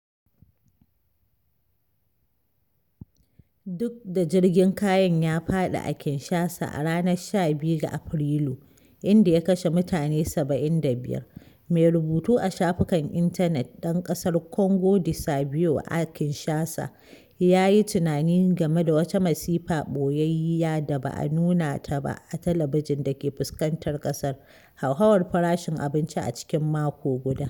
Duk da jirgin kayan ya faɗi a Kinshasa a ranar 15 ga Afrilu, inda ya kashe mutane 75, mai rubutu a shafukan intanet ɗan ƙasar Kwango Du Cabiau à Kinshasa, ya yi tunani game da wata masifa ɓoyayya da ba a nuna ta ba a talabijin dake fuskantar ƙasar: hauhawar farashin abinci a cikin mako guda..